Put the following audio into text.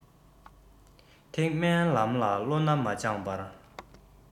ཐེག དམན ལམ ལ བློ སྣ མ སྦྱངས པར